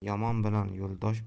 yomon bilan yo'ldosh